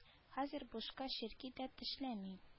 Хәзер бушка черки дә тешләми